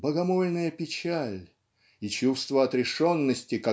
"богомольная печаль" и чувство отрешенности